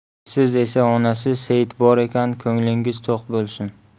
siz esa onasi seit bor ekan ko'nglingiz to'q bo'lsin